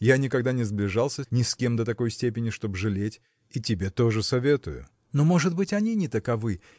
я никогда не сближался ни с кем до такой степени чтоб жалеть и тебе то же советую. – Но, может быть, они не таковы